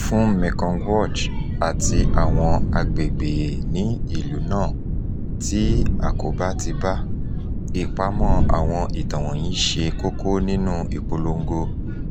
Fún Mekong Watch àti àwọn agbègbè ní ìlú náà tí àkóbá ti bá, ìpamọ́ àwọn ìtàn wọ̀nyí ṣe kókó nínú ìpolongo